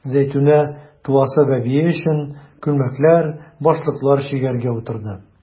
Зәйтүнә туасы бәбие өчен күлмәкләр, башлыклар чигәргә утырды.